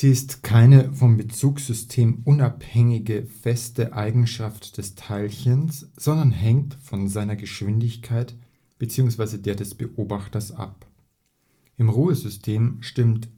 ist keine vom Bezugssystem unabhängige feste Eigenschaft des Teilchens, sondern hängt von seiner Geschwindigkeit (bzw. der des Beobachters) ab. Im Ruhesystem stimmt